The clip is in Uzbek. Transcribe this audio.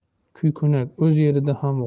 kuykunak o'z yerida ham